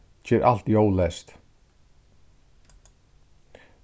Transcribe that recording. ger alt ljóðleyst